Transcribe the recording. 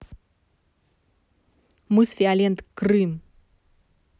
мыс фиолент крым